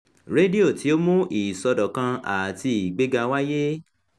Rédíò tí ó ń mú ìsọdọ̀kan àti ìgbéga wáyé